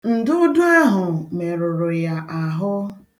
Ndụdụ ahụ merụrụ ya ahụ.